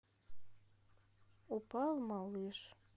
упал малыш